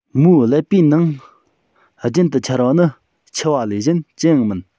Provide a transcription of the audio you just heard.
མོའི ཀླད པའི ནང རྒྱུན དུ འཆར བ ནི འཆི བ ལས གཞན ཅི ཡང མིན